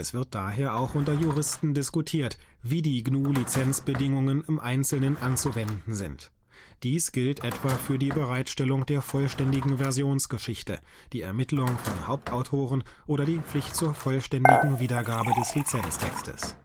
wird daher auch unter Juristen diskutiert, wie die GFDL-Lizenzbedingungen im Einzelnen anzuwenden sind. Dies gilt etwa für die Bereitstellung der vollständigen Versionsgeschichte, die Ermittlung von Hauptautoren oder die Pflicht zur vollständigen Wiedergabe des Lizenztextes